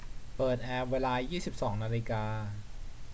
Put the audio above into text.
เปิดแอร์เวลายี่สิบสองนาฬิกา